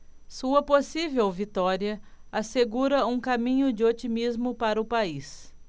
sua possível vitória assegura um caminho de otimismo para o país